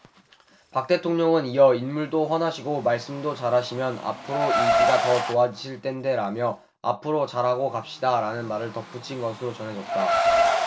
박 대통령은 이어 인물도 훤하시고 말씀도 잘하시면 앞으로 인기가 더 좋아지실 텐데 라며 앞으로 잘하고 갑시다라는 말을 덧붙인 것으로 전해졌다